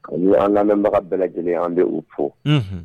A' an lamɛnbaga bɛɛ lajɛlen an bɛ u fo